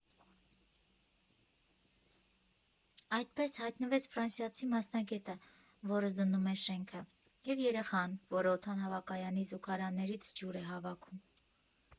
Այդպես հայտնվեց ֆրանսիացի մասնագետը, որը զննում է շենքը, և երեխան, որը օդակայանի զուգարաններից ջուր է հավաքում։